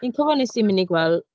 Dwi'n cofio wnes i mynd i gweld...